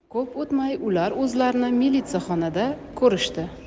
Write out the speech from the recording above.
ko'p o'tmay ular o'zlarini milisaxonada ko'rishdi